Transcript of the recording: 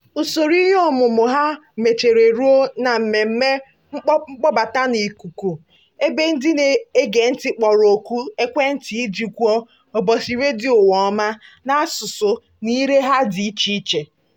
Usoro ihe omume ahụ mechara ruo na mmemme mkpọbata n'ikuku, ebe ndị na-ege ntị kpọrọ oku ekwentị iji kwuo "Ụbọchị Redio Ụwa Ọma" n'asụsụ na ire ha dị iche iche: